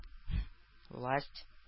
Власть